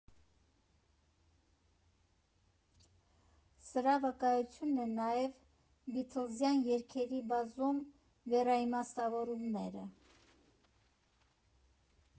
Սրա վկայությունն են նաև բիթլզյան երգերի բազում վերաիմաստավորումները։